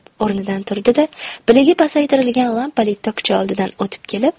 o'rnidan turdi da piligi pasaytirilgan lampali tokcha oldidan o'tib kelib